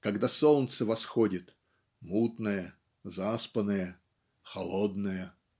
когда солнце восходит "мутное заспанное холодное".